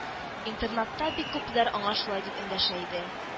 Интернатта бик күпләр аңа шулай дип эндәшә иде